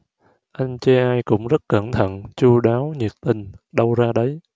anh chê ai cũng rất cẩn thận chu đáo nhiệt tình đâu ra đấy